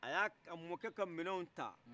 a y' a mɔkɛ ka minɛnw ta